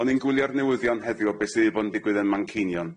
O'n i'n gwylio'r newyddion heddiw o be' sy 'di bod yn digwydd yn Manceinion.